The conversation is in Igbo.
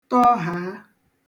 tọhaà